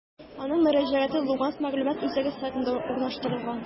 Аның мөрәҗәгате «Луганск мәгълүмат үзәге» сайтында урнаштырылган.